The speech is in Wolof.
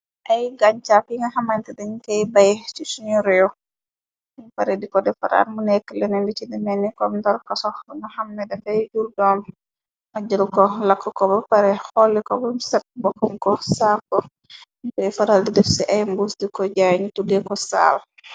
Ay gañcàp yi nga xamante dañi kay bay ci suñu réew suñu pare di ko defaraan mu nekk lenembi ci demeeni kom ndorka sox lanu xamne dafay jurdoom nga jël ko làkk ko ba pare xoole ko bu sëk bokkam ko saaf ko niboy faral di def ci ay mbuos diko jaay ñu tudde ko saal.